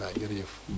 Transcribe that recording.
waaw jërëjëf